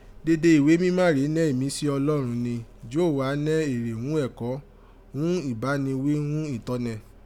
Dede iwe mímá rèé nẹ́ imísí Ọlọ́rọn rin, ji ó wá nẹ́ èrè ghún ẹ̀kọ́, ghún iba nẹ gwí ghún itọ́nẹ